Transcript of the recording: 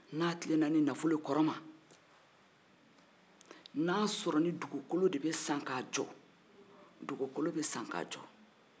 n'a tilenna ni nanfolo ye kɔrɔ ma n'a y'a sɔrɔ ni dugukolo de bɛ san k'a jɔ dugukolo bɛ san k'a jɔ